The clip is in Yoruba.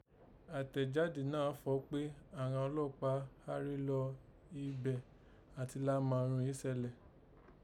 Àtẹ̀jáde náà fọ̀ọ́ pé àghan ọlọ́ọ̀pàá háré lọ ibẹ̀ àti la mà irún sẹlẹ̀